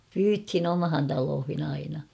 pyydettiin omaan taloihin aina